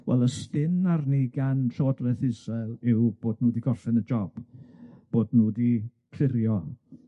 Wel, y spin arni gan Llywodreth Israel yw bod nw 'di gorffen y job, bod nw 'di clirio'n